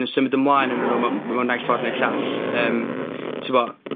yn symud ymlaen ynnyn nw mewn naill ffor' ne'r llall, yym t'mo'...